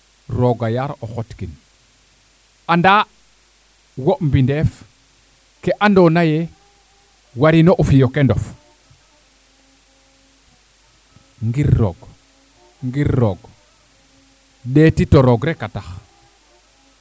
roga yaar o xot kin anda wo mbindeef ke ando naye warino o fiyo kendof ngir roog ngir roog ndeeti to roog reka tax